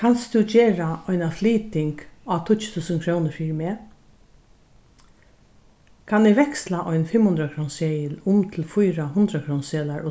kanst tú gera eina flyting á tíggju túsund krónur fyri meg kann eg veksla ein fimmhundraðkrónuseðil um til fýra hundraðkrónuseðlar og